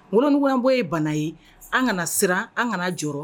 Wuunbɔ ye bana ye an kana siran an kana jɔyɔrɔ rɔ